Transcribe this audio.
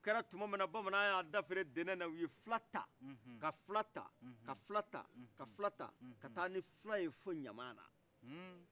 o kɛra tuma minna bamanan y'a da fere dɛnna u ye filata ka filata ka filata ka filata ka filata ka taa ni filaye fɔ ɲamana